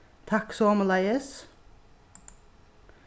takk somuleiðis